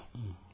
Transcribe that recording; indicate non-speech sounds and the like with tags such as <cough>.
<hesitation> <hesitation>